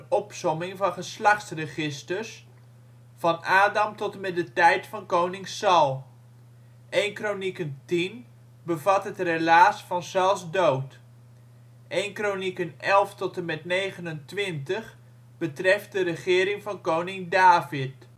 opsomming van geslachtsregisters, van Adam t/m de tijd van koning Saul; 1 Kronieken 10 bevat het relaas van Sauls dood; 1 Kronieken 11 t/m 29 betreft de regering van koning David